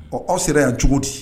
Ɔ aw sera yan cogo di